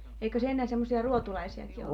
eikös ennen semmoisia ruotulaisiakin ollut